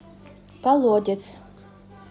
колодец